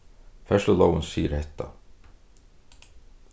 ferðslulógin sigur hetta